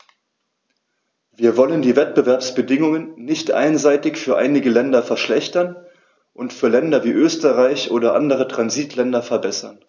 Wir wollen die Wettbewerbsbedingungen nicht einseitig für einige Länder verschlechtern und für Länder wie Österreich oder andere Transitländer verbessern.